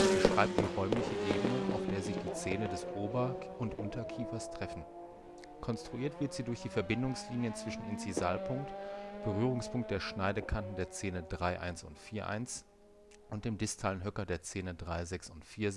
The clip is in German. beschreibt die räumliche Ebene, auf der sich die Zähne des Ober - und Unterkiefers treffen. Konstruiert wird sie durch die Verbindungslinien zwischen Inzisalpunkt (Berührungspunkt der Schneidekanten der Zähne 31 und 41) und dem distalen Höcker der Zähne 36 und 46